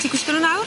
Ti gwisgo nw nawr?